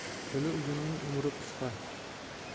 tili uzunning umri qisqa